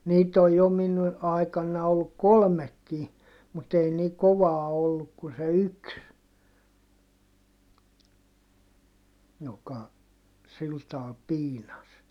niitä on jo minun aikana ollut kolmekin mutta ei niin kovaa ollut kuin se yksi joka sillä tavalla piinasi